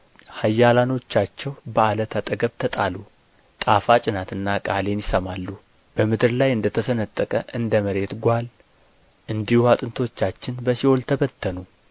ኃያላኖቻቸው በዓለት አጠገብ ተጣሉ ጣፋጭ ናትና ቃሌን ይሰማሉ በምድር ላይ እንደ ተሰነጠቀ እንደ መሬት ጓል እንዲሁ አጥንቶቻችን በሲኦል ተበተኑ